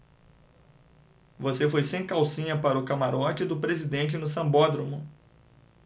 você foi sem calcinha para o camarote do presidente no sambódromo